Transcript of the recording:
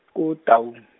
ko Taung.